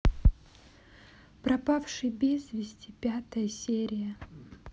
пропавший без вести пятая серия